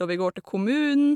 Og vi går til kommunen.